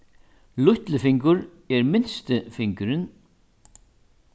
lítlifingur er minsti fingurin